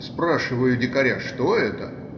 Спрашиваю дикаря, что это.